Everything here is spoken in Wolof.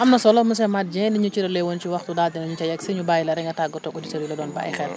am na solo monsieur Mate Dieng liñ ñu cëralee woon ci waxtu daal dinañ ca yegg si ñu bàyyi la rek nga tàggatoo ak auditeurs yi la doon bàyyi xel